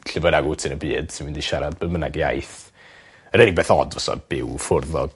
Lle bynnag w't ti yn y byd ti myn' i siarad be' bynnag iaith. Yr unig beth od fysa byw ffwrdd o